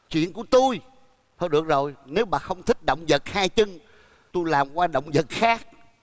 chuyện của tôi thôi được rồi nếu bà không thích động vật hai chân tui làm qua động vật khác